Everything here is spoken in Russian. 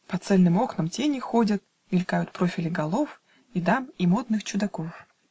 По цельным окнам тени ходят, Мелькают профили голов И дам и модных чудаков.